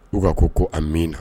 U'a ko ko a amiina